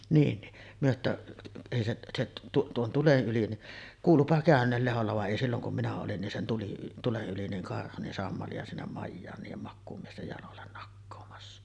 niin niin me että ei se se - tuon tulen yli niin kuuluipa käyneen Lehdolla vaan ei silloin kun minä olin niin sen tuli tulen yli niin karhu niin sammalia sinne majaan niiden makuumiesten jaloille nakkaamassa